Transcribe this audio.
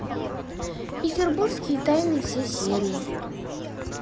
петербургские тайны все серии